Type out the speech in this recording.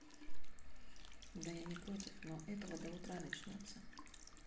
да я не против но этого до утра начнется